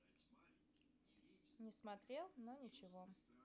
не смотрел но ничего